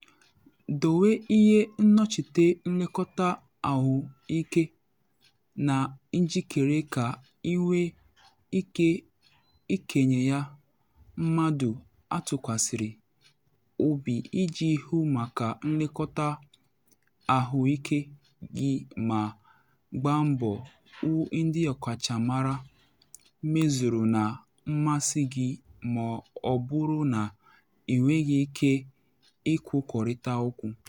Dowe ihe nnọchite nlekọta-ahụike na njikere ka ị nwee ike ịkenye ya mmadụ atụkwasịrị obi iji hụ maka nlekọta ahụike gị ma gbaa mbọ hụ ndị ọkachamara mezuru na mmasị gị ma ọ bụrụ na ị nweghị ike ikwukọrịta okwu.